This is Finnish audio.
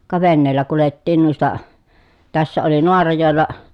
ka veneellä kuljettiin noista tässä oli Naarajoella